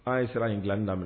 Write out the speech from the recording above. An ye sira nin dila daminɛ